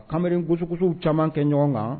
Hamiri gosisukusu caman kɛ ɲɔgɔn kan